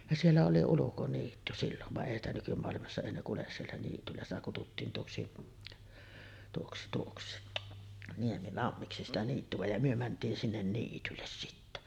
ja siellä oli ulkoniitty silloin vaan ei sitä nykymaailmassa ei ne kulje siellä niityllä sitä kutsuttiin tuoksi tuoksi tuoksi Niemilammiksi sitä niittyä ja me mentiin sinne niitylle sitten